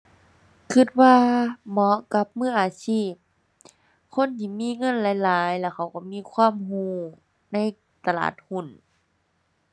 คิดว่าเหมาะกับมืออาชีพ คนที่มีเงินหลายหลาย แล้วเขาก็มีความคิดในตลาดหุ้น